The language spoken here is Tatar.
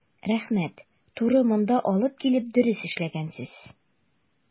Рәхмәт, туры монда алып килеп дөрес эшләгәнсез.